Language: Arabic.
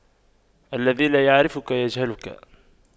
الذي لا يعرفك يجهلك